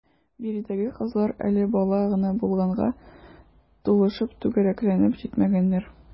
Биредәге кызлар әле бала гына булганга, тулышып, түгәрәкләнеп җитмәгәннәр.